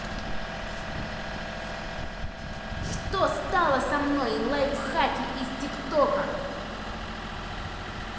что стало со мной лайфхаки из тик тока